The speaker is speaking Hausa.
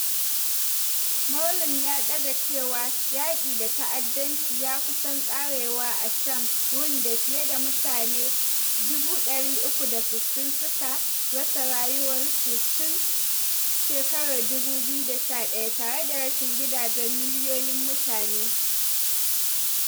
Moualem ya dage cewa “yaki da ta’addanci ya kusan karewa” a Sham, wurin da fiye da mutane 360,000 suka rasa rayuwar su tun 2011, tare da rashin gidajen miliyoyin mutane.